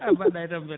a mbaɗɗa e tampere